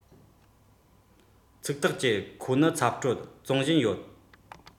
ཚིག ཐག བཅད ཁོ ནི ཚབ སྤྲོད བཙོང བཞིན ཡོད